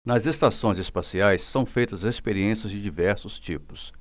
nas estações espaciais são feitas experiências de diversos tipos